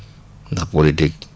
ndax politique